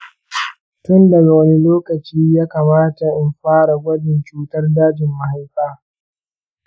tun daga wane lokaci ya kamata in fara gwajin cutar dajin mahaifa?